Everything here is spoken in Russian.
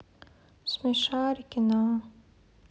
смешарики на